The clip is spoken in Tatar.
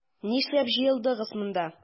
Нишләп җыелдыгыз монда?